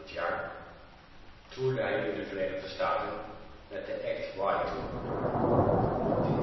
jaar toerde hij in de Verenigde Staten met de Act I Tour. Rond die tijd